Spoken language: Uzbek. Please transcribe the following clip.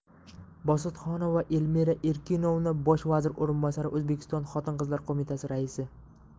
bositxonova elmira erkinovna bosh vazir o'rinbosari o'zbekiston xotin qizlar qo'mitasi raisi